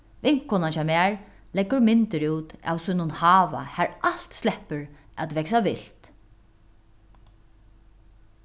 vinkonan hjá mær leggur myndir út av sínum hava har alt sleppur at vaksa vilt